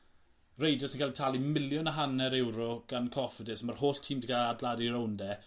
reidiwr sy'n ga'l 'i talu miliwn a hanner ewro gan Cofidis a ma'r holl tîm 'di ga'l adeladu rownd e.